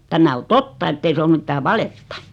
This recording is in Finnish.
tämä on totta että ei se ole mitään valetta